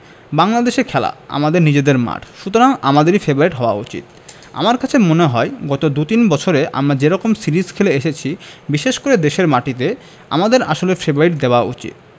বাংলাদেশে খেলা আমাদের নিজেদের মাঠ সুতরাং আমাদেরই ফেবারিট হওয়া উচিত আমার কাছে মনে হয় গত দু তিন বছরে আমরা যে রকম সিরিজ খেলে এসেছি বিশেষ করে দেশের মাটিতে আমাদের আসলে ফেবারিট দেওয়া উচিত